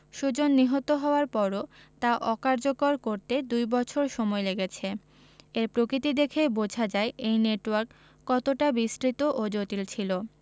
সুজন নিহত হওয়ার পরও তা অকার্যকর করতে দুই বছর সময় লেগেছে এর প্রকৃতি দেখেই বোঝা যায় এই নেটওয়ার্ক কতটা বিস্তৃত ও জটিল ছিল